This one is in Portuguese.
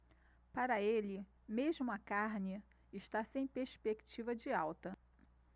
para ele mesmo a carne está sem perspectiva de alta